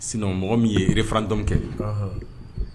Sina mɔgɔ min yere fanaran dɔn kɛ